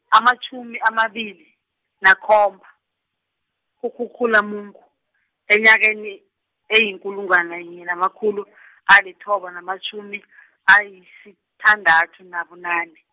amatjhumi amabili, nakhomba, kuKhukhulamungu, enyakeni, eyikulungwana yinye namakhulu , alithoba namatjhumi , ayi sithandathu nabunane.